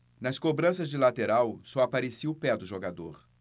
nas cobranças de lateral só aparecia o pé do jogador